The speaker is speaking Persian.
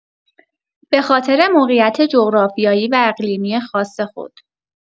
به‌خاطر موقعیت جغرافیایی و اقلیمی خاص خود